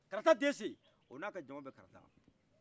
karata dese o na ka jaman bɛ karata